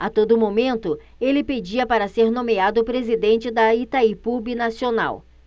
a todo momento ele pedia para ser nomeado presidente de itaipu binacional